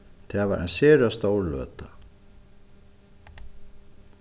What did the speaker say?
tað var ein sera stór løta